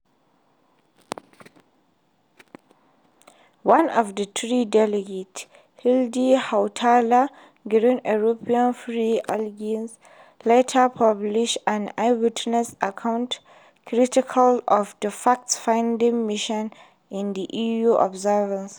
One of the three delegates, Heidi Hautala (Greens-European Free Alliance), later published an eyewitness account critical of the fact-finding mission in the EU Observer.